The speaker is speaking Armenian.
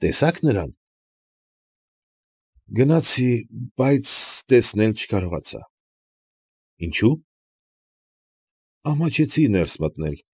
Տեսա՞ք նրան։ ֊ Գնացի, բայց տեսնել չկարողացա։ ֊ Ինչո՞ւ։ ֊ Ամաչեցի ներս մտնել։